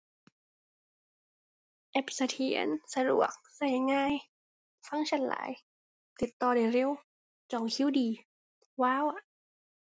แอปเสถียร สะดวก ใช้ง่าย ฟังก์ชันหลาย ติดต่อได้เร็ว จองคิวดี ว้าวอะ